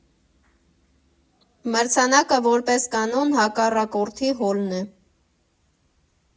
Մրցանակը, որպես կանոն, հակառակորդի հոլն է։